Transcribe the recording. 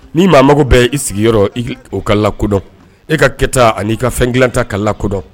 Ni maa mago bɛɛ i sigi i o ka la kodɔn e ka kɛta ani n'i ka fɛn dilan ta ka ladɔn